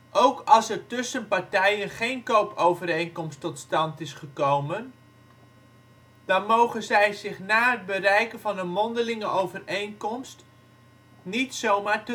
Ook als er tussen partijen geen koopovereenkomst tot stand is gekomen, dan mogen zij zich na het bereiken van een mondelinge overeenstemming niet zomaar terugtrekken